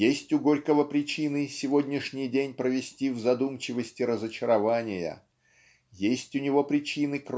Есть у Горького причины сегодняшний день провести в задумчивости разочарования есть у него причины